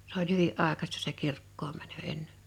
se oli hyvin aikaista se kirkkoon meno ennen